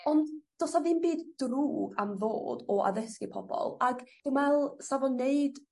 ond do's 'a ddim bydd drwg am fod o addysgu pobol ag dwi me'wl sa fo'n neud